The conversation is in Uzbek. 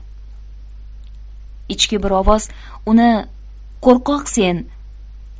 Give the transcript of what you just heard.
ichki bir ovoz uni qo'rqoqsen